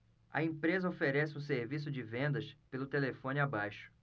a empresa oferece um serviço de vendas pelo telefone abaixo